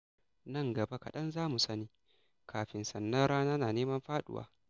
Nan gaba kaɗan za mu sani. Kafin sannan, rana na neman faɗuwa.